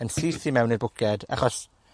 yn syth i mewn i'r bwced, achos